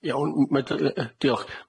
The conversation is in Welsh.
Iawn m- mae dy- yy yy diolch.